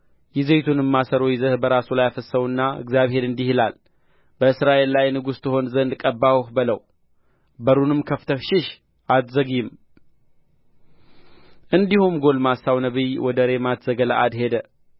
የዘይቱንም ማሰሮ ይዘህ በራሱ ላይ አፍስሰውና እግዚአብሔር እንዲህ ይላል በእስራኤል ላይ ንጉሥ ትሆን ዘንድ ቀባሁህ በለው በሩንም ከፍተህ ሽሽ አትዘግይም እንዲሁም ጕልማሳው ነቢይ ወደ ሬማት ዘገለዓድ ሄደ